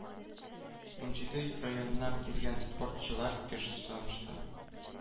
Унҗиде районыннан килгән спортчылар көч сынашты.